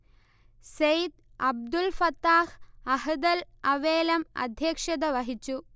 സെയ്ദ് അബ്ദുൽ ഫത്താഹ് അഹ്ദൽ അവേലം അധ്യക്ഷത വഹിച്ചു